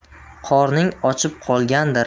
qorning ochib qolgandir